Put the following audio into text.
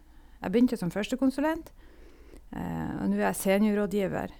Jeg begynte som førstekonsulent, og nu er jeg seniorrådgiver.